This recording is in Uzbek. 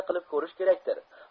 qilib ko'rish kerakdir